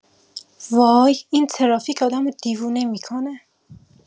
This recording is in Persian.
وای این ترافیک آدمو دیوونه می‌کنه